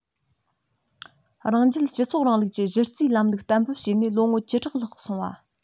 རང རྒྱལ སྤྱི ཚོགས རིང ལུགས ཀྱི གཞི རྩའི ལམ ལུགས གཏན འབེབས བྱས ནས ལོ ངོ བཅུ ཕྲག ལྷག སོང བ